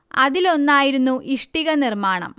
അതിലൊന്നായിരുന്നു ഇഷ്ടിക നിർമ്മാണം